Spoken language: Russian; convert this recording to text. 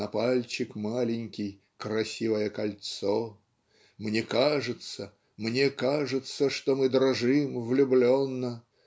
на пальчик маленький красивое кольцо. мне кажется мне кажется что мы дрожим влюбленно